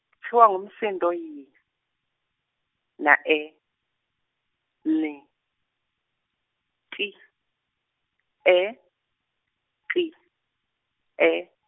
kutsiwa umsindvo Y na E, N, T, E, T, E.